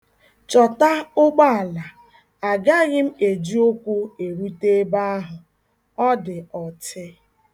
Chọta ụgbọala, agaghị m eji ụkwụ erute ebe ahụ, ọ dị ọtị.